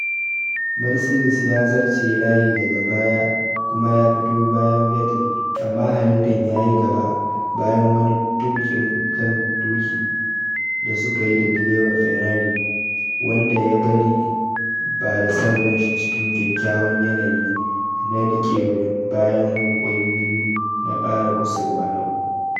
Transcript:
Mercedes ya zarce layi daga baya kuma ya fito bayan Vettel, amma Hamilton ya yi gaba bayan wani tukin kan duki da sukayi da direban Ferrari wanda ya bari ba da son ran shi cikin kyakkyawan yanayi na rike wa bayan yunkuri-biyu na kare kusurwa na uku.